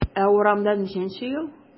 Ә урамда ничәнче ел?